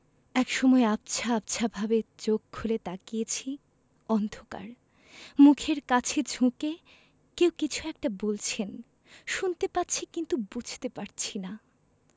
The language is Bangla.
একসময় আবছা আবছাভাবে চোখ খুলে তাকিয়েছি অন্ধকার মুখের কাছে ঝুঁকে কেউ কিছু একটা বলছেন শুনতে পাচ্ছি কিন্তু বুঝতে পারছি না